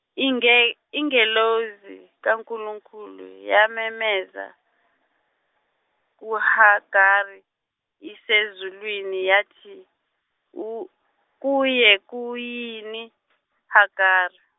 inge- ingelosi kaNkulunkulu yamemeza, kuHagari, isezulwini yathi, u kuye Kuyini, Hagari.